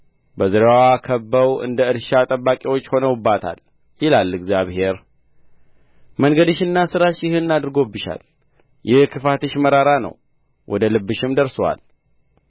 በዙሪያዋ ከብበው እንደ እርሻ ጠባቂዎች ሆነውባታል ይላል እግዚአብሔር መንገድሽና ሥራሽ ይህን አድርጎብሻል ይህ ክፋትሽ መራር ነው ወደ ልብሽም ደርሶአል